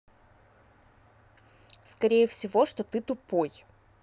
скорее всего что ты тупой